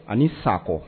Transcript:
Ani sakɔ